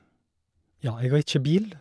Ja, jeg har ikke bil.